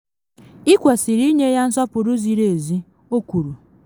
Ị kwesịrị ịnye ya nsọpụrụ ziri ezi, “o kwuru.